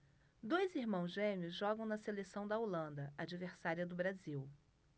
dois irmãos gêmeos jogam na seleção da holanda adversária do brasil